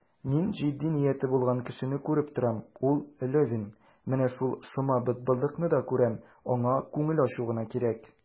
Мин җитди нияте булган кешене күреп торам, ул Левин; менә шул шома бытбылдыкны да күрәм, аңа күңел ачу гына кирәк.